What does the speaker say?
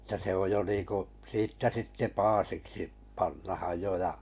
että se on jo niin kuin siitä sitten paasiksi pannaan jo ja